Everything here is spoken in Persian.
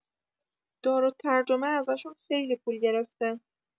دارالترجمه ازشون خیلی پول گرفته